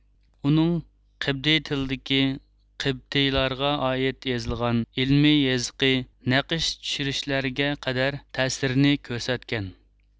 ئۇنىڭ قېبتىي تىلىدىكى قېبتىيلارغا ئائىت يىزىلغان ئىلمى يىزىقى نەقىش چۈشۈرۈشلەرگە قەدەر تەسىرىنى كۆرسەتكەن